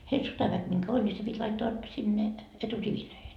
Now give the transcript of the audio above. heillä sotaväkeä minkä oli niin se piti laittaa sinne eturiveihin